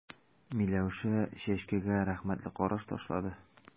Миләүшә Чәчкәгә рәхмәтле караш ташлады.